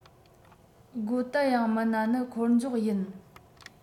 སྒོ གཏད ཡང མིན ན ནི འཁོར འཇོག ཡིན